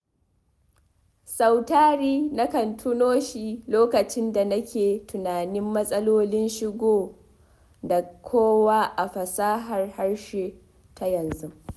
Sautari nakan tuno shi lokacin da nake tunanin mas'alolin shigo da kowa a fasahar harshe ta yanzu.